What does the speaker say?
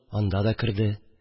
Анда да керде